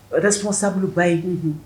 Responsable ba ye, unhun.